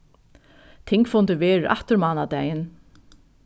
tingfundur verður aftur mánadagin